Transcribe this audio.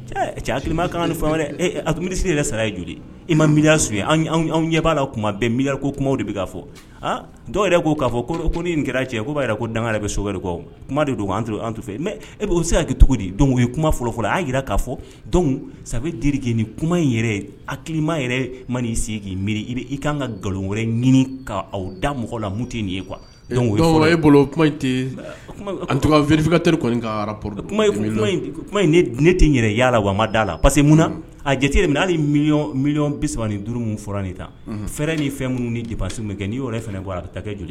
Cɛ hakiliki kan ni wɛrɛ a tun mini yɛrɛ sara ye joli i ma miiriya su anw ɲɛ b'a la kuma bɛn miiriri ko kuma de bɛ k kaa fɔ aa dɔw yɛrɛ' k'a fɔ ko ni nin kɛra cɛ ko b'a jira ko danga yɛrɛ bɛ so wɛrɛ kuma de don an fɛ e se' kɛ cogo di don ye kuma fɔlɔfɔlɔ y' jira k'a fɔ dɔn saba di ni kuma in yɛrɛ hakima yɛrɛ ki miiri i i ka kan ka nkalon wɛrɛ ɲini ka aw da mɔgɔ la mu tɛ nin ye kuwa e bolo kuma in tunrifinka kuma ne tɛ yɛrɛ yala la wa ma d da la parce que mun na a jate min hali mi bi saba ni duuru min fɔra nin ta fɛɛrɛ ni fɛn minnu ni jabasiw min kɛ ni yɛrɛ fana bɔra a ka taa kɛ joli